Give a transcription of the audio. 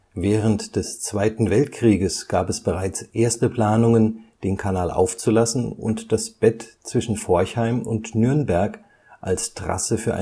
Während des Zweiten Weltkrieges gab es bereits erste Planungen, den Kanal aufzulassen und das Bett zwischen Forchheim und Nürnberg als Trasse für